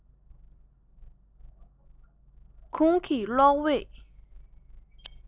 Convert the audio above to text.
སྒེའུ ཁུང གི གློག འོད